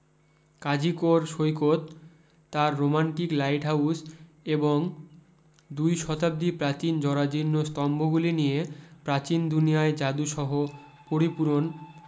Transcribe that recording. কোজিকোড় সৈকত তার romantic lighthouse এবং দুই শতাব্দী প্রাচীন জরাজীর্ণ স্তম্ভগুলি নিয়ে প্রাচীন দুনিয়ার জাদু সহ পরিপূরণ